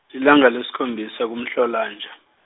lilanga lesikhombisa kuMhlolanja.